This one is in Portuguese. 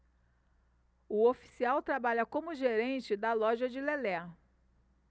o oficial trabalha como gerente da loja de lelé